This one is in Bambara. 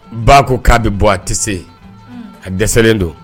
Ba ko k'a bɛ bɔ a tɛ se a dɛsɛlen don